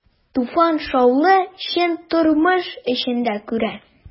Туфан шаулы, чын тормыш эчендә күрә.